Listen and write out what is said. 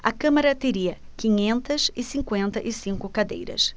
a câmara teria quinhentas e cinquenta e cinco cadeiras